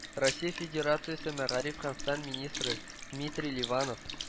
Россия Федерациясе мәгариф һәм фән министры Дмитрий Ливанов